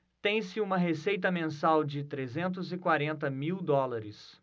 tem-se uma receita mensal de trezentos e quarenta mil dólares